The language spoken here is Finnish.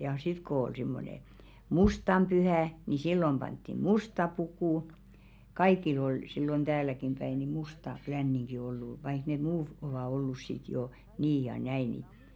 ja sitten kun oli semmoinen mustan pyhä niin silloin pantiin musta puku kaikilla oli silloin täälläkin päin niin musta leninki ollut vaikka ne muut ovat ollut sitten jo niin ja näin niin